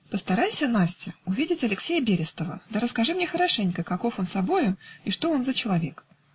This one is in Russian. -- Постарайся, Настя, увидеть Алексея Берестова, да расскажи мне хорошенько, каков он собою и что он за человек.